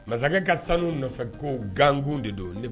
Masakɛ ka sanu nɔfɛ ko gangun de don